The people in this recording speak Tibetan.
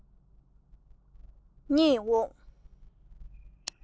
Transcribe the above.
རྙེད འོང